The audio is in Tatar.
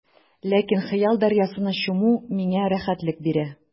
Ләкин хыял дәрьясына чуму миңа рәхәтлек бирә.